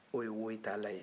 o ye woyitala ye